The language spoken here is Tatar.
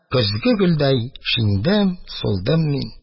Көзге гөлдәй шиңдем, сулдым мин.